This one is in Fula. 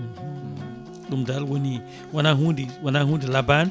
ɗum dal woni wona hunde wona hunde labade